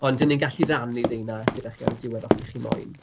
Ond dan ni'n gallu rannu'r reina gyda chi ar y diwedd os 'y chi moyn.